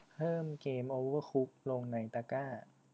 เพิ่มเกมโอเวอร์คุกลงในตะกร้า